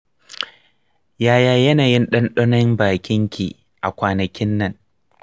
yaya yanayin dandanon bakin ki a kwana kinnan?